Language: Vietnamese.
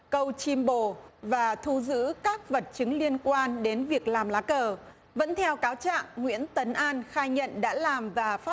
câu chim bồ và thu giữ các vật chứng liên quan đến việc làm lá cờ vẫn theo cáo trạng nguyễn tấn an khai nhận đã làm và phát